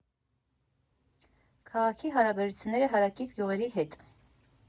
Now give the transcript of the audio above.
Քաղաքի հարաբերությունները հարակից գյուղերի հետ։